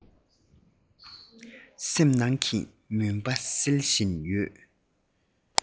སེམས ནང གི མུན པ སེལ བཞིན ཡོད